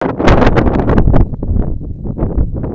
минус один